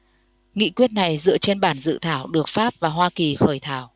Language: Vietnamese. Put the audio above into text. nghị quyết này dựa trên bản dự thảo được pháp và hoa kỳ khởi thảo